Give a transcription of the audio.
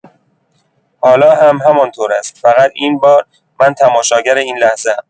حالا هم همان‌طور است، فقط این بار، من تماشاگر این لحظه‌ام.